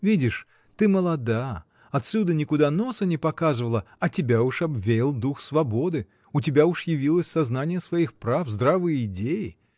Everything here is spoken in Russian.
Видишь: ты молода, отсюда никуда носа не показывала, а тебя уже обвеял дух свободы, у тебя уж явилось сознание своих прав, здравые идеи.